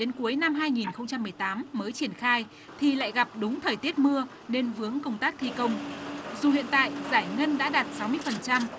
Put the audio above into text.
đến cuối năm hai nghìn không trăm mười tám mới triển khai thì lại gặp đúng thời tiết mưa nên vướng công tác thi công dù hiện tại giải ngân đã đạt sáu mươi phần trăm